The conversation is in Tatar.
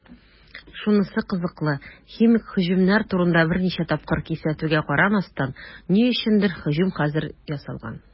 Шунысы кызыклы, химик һөҗүмнәр турында берничә тапкыр кисәтүгә карамастан, ни өчендер һөҗүм хәзер ясалган.